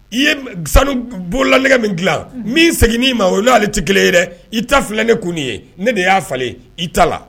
I ye sanu bolola nɛgɛ min dilan min segin' ma olu'ale tɛ kelen ye dɛ i ta filɛ ne kun ye ne de y'a falen i t ta la